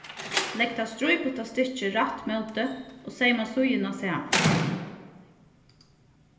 legg tað stríputa stykkið rætt móti og seyma síðuna saman